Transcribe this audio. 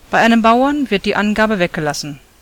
einem Bauern wird die Angabe weggelassen